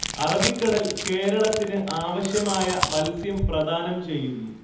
അറബിക്കടൽ കേരളത്തിന് ആവശ്യമായ മൽസ്യം പ്രദാനം ചെയ്യുന്നു